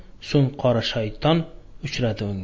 so'ng qora shayton uchradi unga